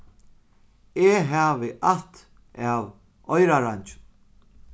eg havi ætt av oyrareingjum